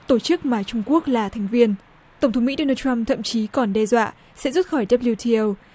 tổ chức mà trung quốc là thành viên tổng thống mỹ đô nan trăm thậm chí còn đe dọa sẽ rút khỏi đáp liu tê ô